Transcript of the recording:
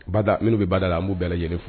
Bada minnu bɛ bada la an b'u bɛɛ lajɛlen fo